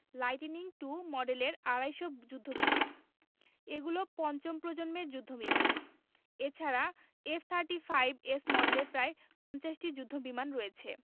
lightning two মডেলের আড়াই শ যুদ্ধবিমান এগুলো পঞ্চম প্রজন্মের যুদ্ধবিমান এ ছাড়া এফ থার্টি ফাইভ এস মডেলের প্রায় ৫০টি যুদ্ধবিমান রয়েছে